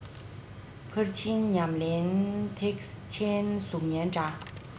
ཕར ཕྱིན ཉམས ལེན ཐེག ཆེན གཟུགས བརྙན འདྲ